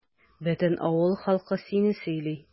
Бөтен авыл халкы сине сөйли.